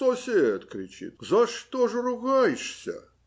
- Сосед, - кричит, - за что же ругаешься?